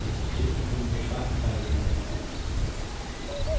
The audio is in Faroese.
tit kundu sagt tað við meg